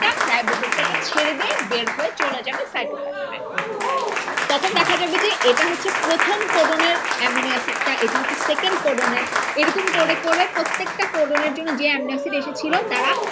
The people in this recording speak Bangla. টা রাইবোজোম কে ছেড়ে দিয়ে বের হয়ে চলে যাবে সাইটোপ্লাজমে তখন দেখা যাবে যে এটা হচ্ছে প্রথম কোডনের এমাইনো এসিডটা এটা হচ্ছে সেকেন্ড কোডনের এরকম করে করে প্রত্যেকটা কোডন এর জন্য যে এমাইনো এসিড এসেছিল তারা